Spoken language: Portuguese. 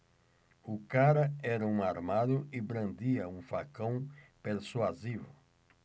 o cara era um armário e brandia um facão persuasivo